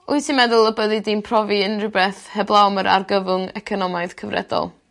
Wyt ti'n meddwl y byddi di'n profi unryw beth heblaw am yr argyfwng economaidd cyfredol?